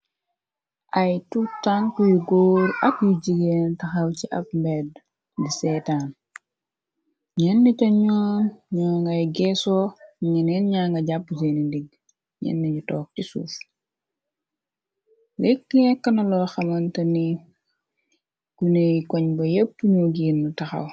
ay tutank yu góor ak yu jigéen taxaw ci apmbed di seetan ñenn ca ñooñoo ngay géesoo ñeneen ña nga jàpp siini ndigg ñenn ñu tokk ci suuf rekk yekkna loo xamanta ni guneyi koñ ba yépp ñu girn taxaw